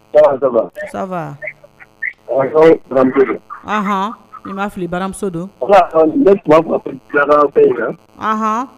I maa fili baramuso donɔn